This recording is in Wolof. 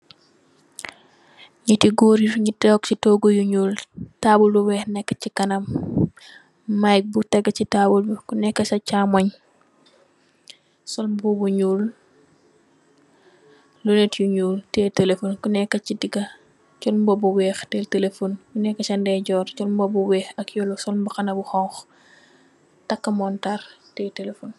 Nyate goor nuge tonke se toogu yu nuul table bu weehe neka se kanam mike be tege se table be ku neka sa chamung sol muba bu nuul lunet yu nuul teye telephone ku neka se dega sol muba bu weehe teye telephone ku neka sa ndeyjorr sol muba bu weehe ak yellow sol mahana bu hauhu taka munturr.